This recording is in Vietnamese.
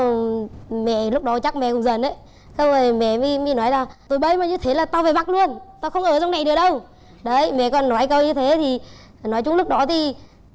mẹ lúc đó chắc mẹ cũng giận đấy xong rồi mẹ mí mí nói là tụi bay mà như thế là tao về bắc luôn tao không ở trong này nữa đâu đấy mẹ còn nói câu như thế thì nói chung lúc đó thì